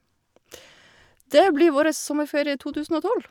Det blir vårres sommerferie to tusen og tolv.